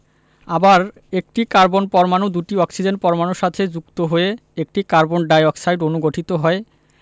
আবার একটি কার্বন পরমাণু দুটি অক্সিজেন পরমাণুর সাথে যুক্ত হয়ে একটি কার্বন ডাই অক্সাইড অণু গঠিত হয়